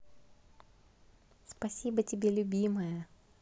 спасибо тебе любимая